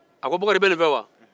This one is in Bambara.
a ko bokari i bɛ nin fɛ wa